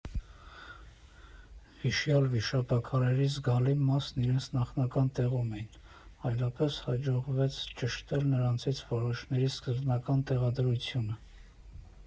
Հիշյալ վիշապաքարերի զգալի մասն իրենց նախնական տեղում էին, այլապես հաջողվեց ճշտել նրանցից որոշների սկզբնական տեղադրությունը։